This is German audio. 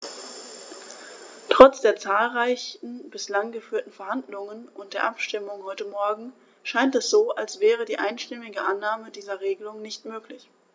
Trotz der zahlreichen bislang geführten Verhandlungen und der Abstimmung heute Morgen scheint es so, als wäre die einstimmige Annahme dieser Regelung nicht möglich.